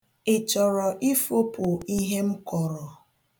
Ị chọrọ ifopụ ihe m kọrọ?